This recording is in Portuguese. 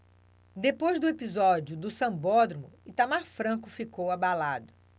depois do episódio do sambódromo itamar franco ficou abalado